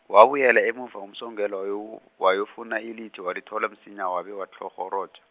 wabuyela emuva uMsongelwa wayo- wayofuna ilithi walithola msinya wabe watlhorhoroja.